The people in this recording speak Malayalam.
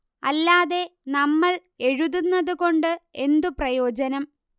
അല്ലാതെ നമ്മൾ എഴുതുന്നത് കൊണ്ട് എന്തു പ്രയോജനം